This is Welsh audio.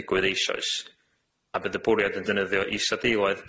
digwydd eishoes a bydd y bwriad yn defnyddio isadeiloedd